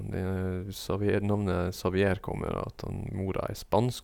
Xavier Navnet Xavier kommer av at han mora er spansk.